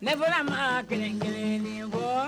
Ne fɔra ma kelen kelen nebɔ